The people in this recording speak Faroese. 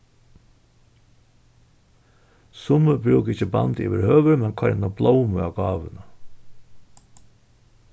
summi brúka ikki band yvirhøvur men koyra eina blómu á gávuna